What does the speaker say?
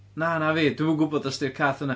Na na fi. Dwi'm yn gwybod os 'di'r cath yna...